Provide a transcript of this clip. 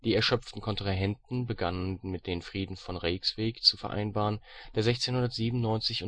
erschöpften Kontrahenten begannen den Frieden von Rijswijk zu vereinbaren, der 1697